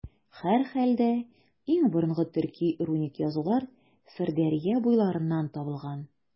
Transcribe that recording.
Һәрхәлдә, иң борынгы төрки руник язулар Сырдәрья буйларыннан табылган.